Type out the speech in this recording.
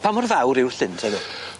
Pa mor fawr yw Llyn te ddwed?